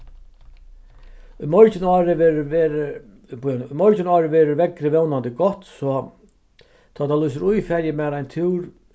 í morgin ári verður verður bíða nú í morgin ári verður veðrið vónandi gott so tá tað lýsir í fari eg mær ein túr